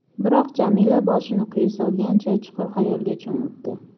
biroq jamila boshini quyi solgancha chuqur xayolga cho'mibdi